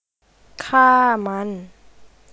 ฆ่ามัน